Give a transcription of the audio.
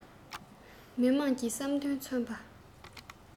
མི དམངས ཀྱི བསམ འདུན མཚོན པ